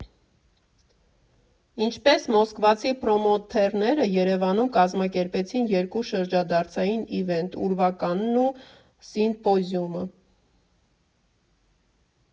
Ինչպես մոսկվացի պրոմոթերները Երևանում կազմակերպեցին երկու շրջադարձային իվենթ՝ Ուրվականն ու Սինթպոզիումը։